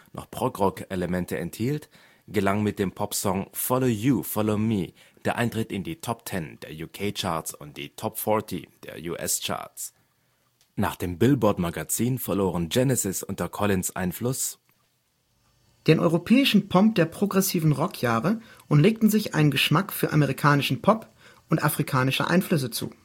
noch Progrock-Elemente enthielt, gelang mit dem Popsong Follow You, Follow Me der Eintritt in die Top 10 der UK-Charts und die Top 40 der US-Charts. Nach dem Billboard-Magazin verloren Genesis unter Collins ' Einfluss „ …den europäischen Pomp der progressiven Rock-Jahre und legten sich einen Geschmack für amerikanischen Pop und afrikanische Einflüsse zu